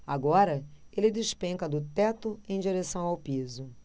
agora ele despenca do teto em direção ao piso